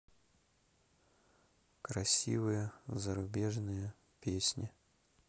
красивые зарубежные песни